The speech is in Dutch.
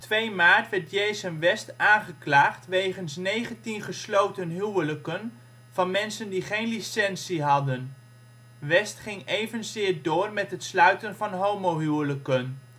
2 maart werd Jason West aangeklaagd wegens 19 gesloten huwelijken van mensen die geen licentie hadden. West ging evenzeer door met het sluiten van homohuwelijken